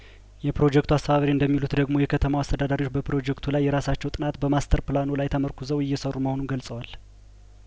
የፕሮጀክቱ አስተባባሪ እንደሚሉት ደግሞ የከተማው አስተዳዳሪዎች በፕሮጀክቱ ላይ የራሳቸው ጥናት በማስተር ፕላኑ ላይ ተመርኩዘው እየሰሩ መሆኑን ገልጸዋል